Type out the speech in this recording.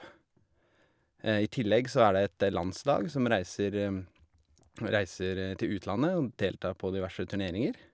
I tillegg så er det et landslag som reiser reiser til utlandet og deltar på diverse turneringer.